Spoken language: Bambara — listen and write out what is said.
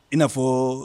I n'afɔ